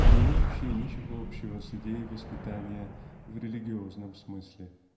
не имеющая ничего общего с идеей воспитания в религиозном смысле.